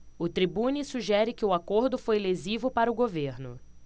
o tribune sugere que o acordo foi lesivo para o governo